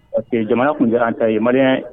Parce que jamana tun diyara an ta ye maria ye